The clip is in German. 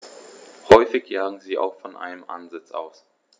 Häufig jagen sie auch von einem Ansitz aus.